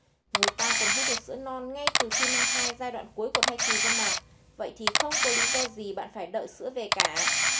người ta còn hút được sữa non ngay từ khi mang thai giai đoạn cuối của thai kỳ cơ mà vậy không có lý do gì bạn phải đợi sữa về cả